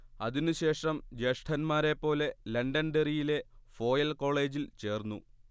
അതിനു ശേഷം ജ്യേഷ്ഠന്മാരെപ്പോലെ ലണ്ടൻഡെറിയിലെ ഫോയൽ കോളേജിൽ ചേർന്നു